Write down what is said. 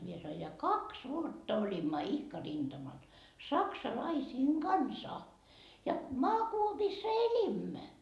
minä sanoin ja kaksi vuotta olimme ihka rintamalla saksalaisten kanssa ja maakuopissa elimme